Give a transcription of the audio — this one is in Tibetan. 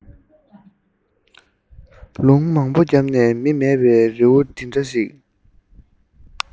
འཚར ལོངས བྱུང བའི བུ མོ